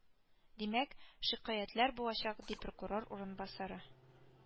Димәк, шикаятьләр булачак, ди прокурор урынбасары